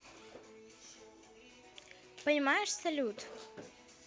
понимаешь салют